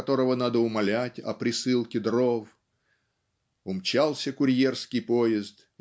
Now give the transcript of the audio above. которого надо умолять о присылке дров. Умчался курьерский поезд